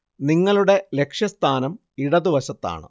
നിങ്ങളുടെ ലക്ഷ്യസ്ഥാനം ഇടതുവശത്താണ്